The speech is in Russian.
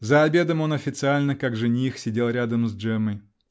За обедом он официально, как жених, сидел рядом с Джеммой.